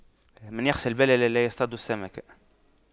من يخشى البلل لا يصطاد السمك